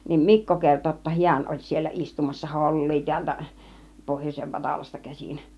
niin Mikko kertoi jotta hän oli siellä istumassa hollia täältä pohjoisen Vatalasta käsin